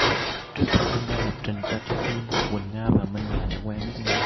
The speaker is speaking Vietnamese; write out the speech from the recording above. trước khi tham gia lập trình cho trái tim quỳnh nga và minh hà đã quen biết nhau